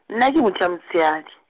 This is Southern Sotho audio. nna ke motho ya motshehadi.